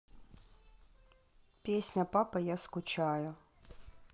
песня папа я скучаю